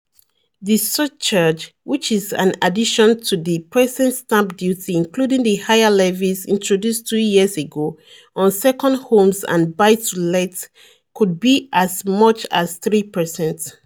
The surcharge - which is in addition to the present stamp duty, including the higher levels introduced two years ago on second homes and buy-to-lets - could be as much as three per cent.